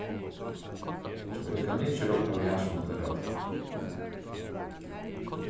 so eg kann ikki rokna við hasum ella hvat